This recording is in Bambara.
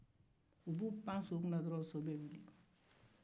u bru pan so kunna dɔrɔn so bɛ wuli